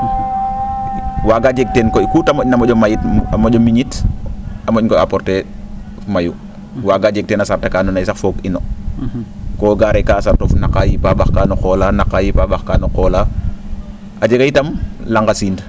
waaga jeg teen koy kuute mo?na mo?o mayit a mo?o miñit a mo?ongo apporter mayu waaga jeg teen a sarta ka andoona yee sax foog'ino ko gaare ka a sartof naqa yipa ?axkaa no qol la naqaa yipaa ?axkaa no qol la a jega itam la? a siin